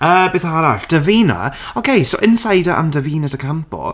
Yy beth arall? Davina! Ok! So insider am Davina de Campo.